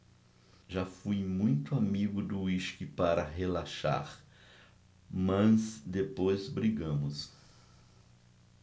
já fui muito amigo do uísque para relaxar mas depois brigamos